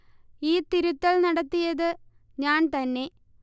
ഈ തിരുത്തൽ നടത്തിയത് ഞാൻ തന്നെ